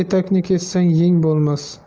etakni kessang yeng bo'lmas